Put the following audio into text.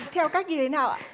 theo cách như thế nào ạ